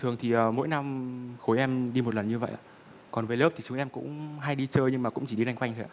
thường thì mỗi năm khối em đi một lần như vậy ạ còn với lớp thì chúng em cũng hay đi chơi nhưng cũng chỉ đi loanh quanh thôi ạ